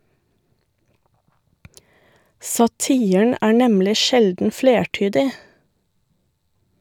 Satiren er nemlig sjelden flertydig.